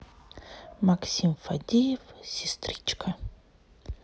максим фадеев сестричка